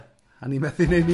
A o'n i'n methu neud i.